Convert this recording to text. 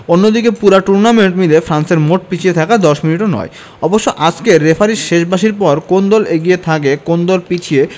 অন্যদিকে পুরা টুর্নামেন্ট মিলে ফ্রান্সের মোট পিছিয়ে থাকা ১০ মিনিটও নয় অবশ্য আজকের রেফারির শেষ বাঁশির পর কোন দল এগিয়ে থাকে কোন দল পিছিয়ে